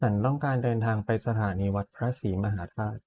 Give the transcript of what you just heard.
ฉันต้องการเดินทางไปสถานีวัดพระศรีมหาธาตุ